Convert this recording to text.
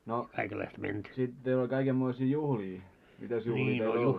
no sitten teillä oli kaikenmoisia juhlia mitäs juhlia teillä oli